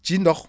ci ndox